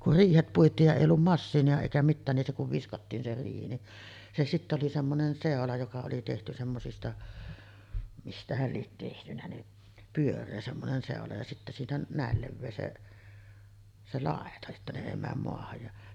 kun riihet puitiin ja ei ollut masiinaa eikä mitään niin se kun viskattiin se riihi niin se sitten oli semmoinen seula joka oli tehty semmoisista mistähän lie tehtynä niin pyöreä semmoinen seula ja sitten siinä näin leveä se se laita että ne ei mene maahan ja